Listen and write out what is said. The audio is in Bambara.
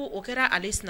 Ko o kɛra ale sun